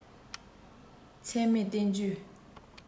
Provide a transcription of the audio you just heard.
ཚད མའི བསྟན བཅོས